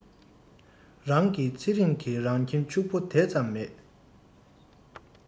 རང གི ཚེ རིང གི རང ཁྱིམ ཕྱུག པོ དེ ཙམ མེད